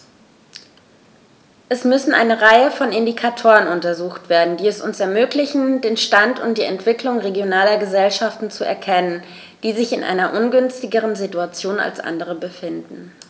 Es müssen eine Reihe von Indikatoren untersucht werden, die es uns ermöglichen, den Stand und die Entwicklung regionaler Gesellschaften zu erkennen, die sich in einer ungünstigeren Situation als andere befinden.